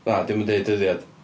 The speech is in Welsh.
Na, dio'm yn deud dyddiad.